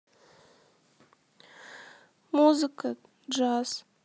музыка джаз